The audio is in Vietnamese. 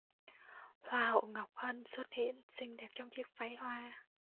hoa hậu ngọc hân xuất hiện xinh đẹp trong chiếc váy hoa